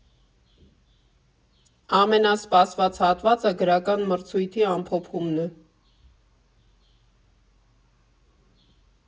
Ամենասպասված հատվածը գրական մրցույթի ամփոփումն է.